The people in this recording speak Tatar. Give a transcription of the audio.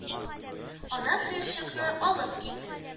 Ана сыерчыкны алып килде.